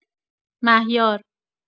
مهیار